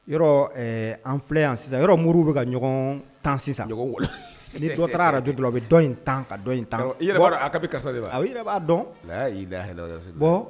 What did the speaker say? Yɔrɔ an filɛ yan sisan yɔrɔ muru bɛ ka ɲɔgɔn tan sisan ni dɔ taara araj dɔrɔn a bɛ tan ka ta'a dɔn